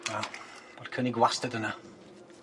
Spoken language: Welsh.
Na, ma'r cynnig wastad yna.